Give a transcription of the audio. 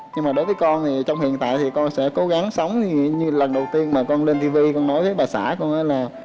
nhưng mà đối với con thì trong hiện tại thì con sẽ cố gắng sống như lần đầu tiên mà con lên ti vi con nói với bà xã con ý là